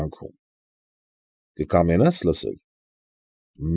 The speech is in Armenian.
Կյանքում։ Կամենա՞ս լսել։ ֊